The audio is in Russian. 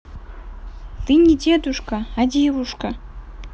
ты не дедушка а девушка